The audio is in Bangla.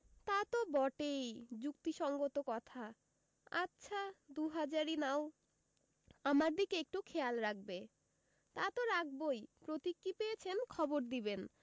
তা তো বটেই যুক্তিসংগত কথা আচ্ছা দু হাজারই নাও আমার দিকে একটু খেয়াল রাখবে তা তো রাখবোই প্রতীক কি পেয়েছেন খবর দিবেন